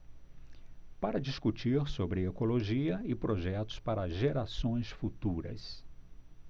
para discutir sobre ecologia e projetos para gerações futuras